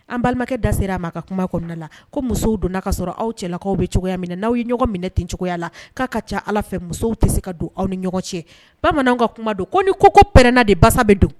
An balimakɛ da sera a ma a ka kuma kɔnɔna la, ko musow donna ka sɔrɔ aw cɛlakaw bɛ cogoya min na, n'aw ye ɲɔgɔn minɛ ten cogoya la k'a ka ca Ala fɛ musow tɛ se ka don aw ni ɲɔgɔn cɛ, bamananw ka kuma don ko ni koko pɛrɛnna de basa bɛ don.